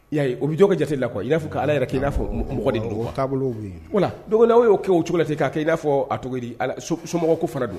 I y'a ye o bɛ dɔw ka jate la kuwa i n'a fɔ Ala yɛrɛ kɛ i n'a fɔ mɔgɔ de do wala dɔnki ni aw y'o kɛ o cogo la ten k'a kɛ i n'a fɔ a tɔgɔ bɛ di so mɔɔgɔ ko fana don.